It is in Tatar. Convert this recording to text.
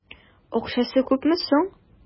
Акчасы күпме соң?